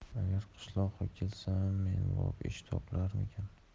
agar qishloqqa kelsam menbop ish topilarmikin